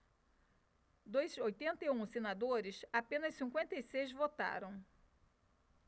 dos oitenta e um senadores apenas cinquenta e seis votaram